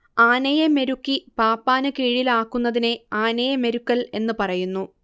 ആനയെ മെരുക്കി പാപ്പാന് കീഴിലാക്കുന്നതിനെ ആനയെ മെരുക്കൽ എന്നു പറയുന്നു